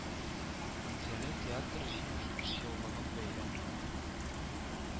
Минзәлә театры җитмеш биш еллыгын бәйрәм итте